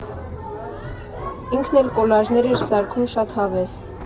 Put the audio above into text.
Ինքն էլ կոլաժներ էր սարքում շատ հավես։